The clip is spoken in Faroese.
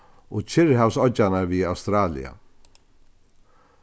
og kyrrahavsoyggjarnar við australia